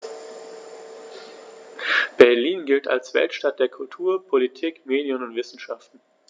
Berlin gilt als Weltstadt der Kultur, Politik, Medien und Wissenschaften.